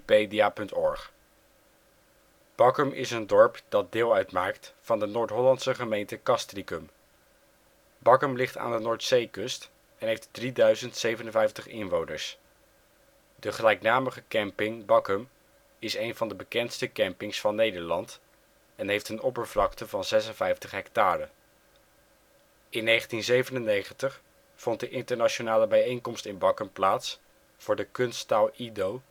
39 ' OL Bakkum Plaats in Nederland Situering Provincie Noord-Holland Gemeente Castricum Coördinaten 52° 34′ NB, 4° 39′ OL Algemeen Oppervlakte 0,56 km² Inwoners (1 januari 2006) 3057 Detailkaart Locatie in de gemeente Castricum Portaal Nederland Bakkum is een dorp dat deel uitmaakt van de Noord-Hollandse gemeente Castricum. Bakkum ligt aan de Noordzeekust en heeft 3057 inwoners. De gelijknamige Camping Bakkum is een van de bekendste campings van Nederland en heeft een oppervlakte van 56 hectare. In 1997 vond de internationale bijeenkomst in Bakkum plaats voor de kunsttaal Ido